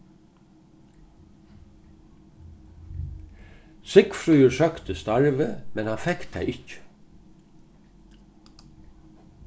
sigfríður søkti starvið men hann fekk tað ikki